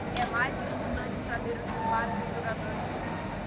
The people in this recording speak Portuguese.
é mais importante saber o que fazem os jogadores no campo